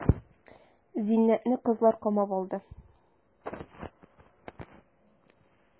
Зиннәтне кызлар камап алды.